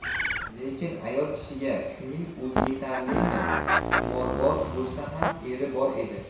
lekin ayol kishiga shuning o'zi yetarlimi qimorboz bo'lsa ham eri bor edi